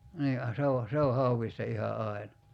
niin ja se on se on hauesta ihan aina